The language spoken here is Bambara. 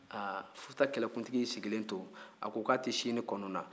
haa futa kɛlɛkuntigi y'i sigilen to a ko k'a tɛ sini kɔnɔ o la